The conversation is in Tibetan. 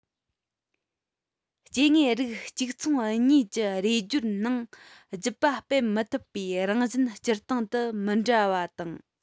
སྐྱེ དངོས རིགས གཅིག མཚུངས གཉིས ཀྱི རེས སྦྱོར ནང རྒྱུད པ སྤེལ མི ཐུབ པའི རང བཞིན སྤྱིར བཏང དུ མི འདྲ བ དང